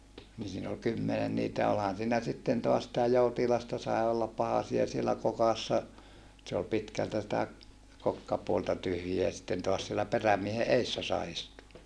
niin siinä oli kymmenen niitä olihan siinä sitten taas sitä joutilasta sai olla pahasia siellä kokassa se oli pitkältä sitä kokkapuolta tyhjiä sitten taas siellä perämiehen edessä sai istua